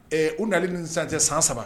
Ɛɛ u na ni sisan cɛ san saba.